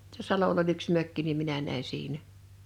tuossa salolla oli yksi mökki niin minä näin siinä